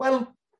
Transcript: Wel,